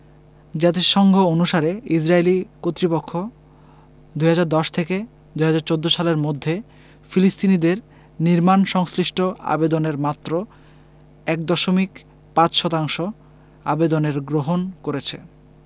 জাতিসংঘ অনুসারে ইসরাইলি কর্তৃপক্ষ ২০১০ থেকে ২০১৪ সালের মধ্যে ফিলিস্তিনিদের নির্মাণ সংশ্লিষ্ট আবেদনের মাত্র ১.৫ শতাংশ আবেদনের গ্রহণ করেছে